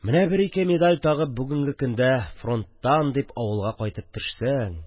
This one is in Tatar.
Менә бер-ике медаль тагып бүгенге көндә «фронттан» дип авылга кайтып төшсәң